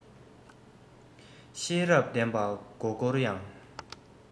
ཤེས རབ ལྡན པ མགོ བསྐོར ཡང